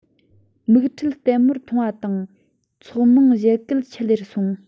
མིག འཕྲུལ ལྟད མོ མཐོང བ དང ཚོགས མང བཞད གད ཆི ལེར སོང